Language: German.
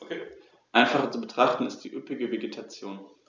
Einfacher zu betrachten ist die üppige Vegetation.